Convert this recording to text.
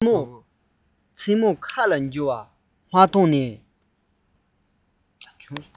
མཚན མོ མཁའ ལ རྒྱུ བ མ མཐོང ནས